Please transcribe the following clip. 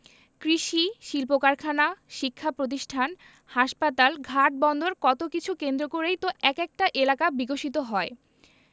কৃষি শিল্পকারখানা শিক্ষাপ্রতিষ্ঠান হাসপাতাল ঘাট বন্দর কত কিছু কেন্দ্র করেই তো এক একটা এলাকা বিকশিত হয়